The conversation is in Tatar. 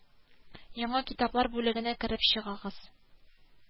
Яңа китаплар бүлегенә кереп чыгыгыз